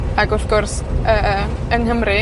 Ag wrth gwrs, yy, yng Nghymru,